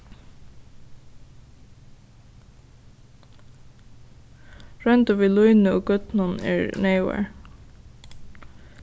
royndir við línu og gørnum eru neyðugar